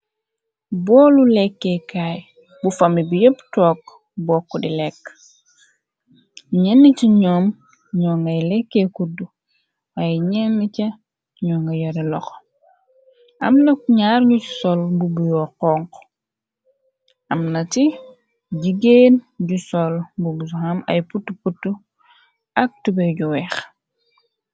Boolu lekkeekaay bu fami bi yépp tokk bokk di lekk ñenn ci ñoom ñoo ngay lekkee kudd ay ñenn ca ñoo nga yare lox amnak ñaar ñu ci sol bubuyoo xonk amna ci jigéen ju sol buguam ay put put ak tube ju weex.